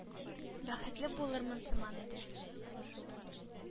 Бәхетле булырмын сыман иде.